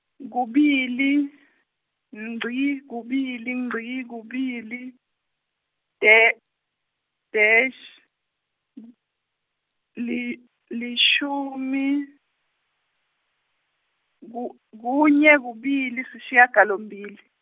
kubili, ngci, kubili, ngci, kubili, da- dash, li lishumi, ku kunye, kubili, sishiyagalombili.